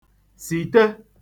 sìte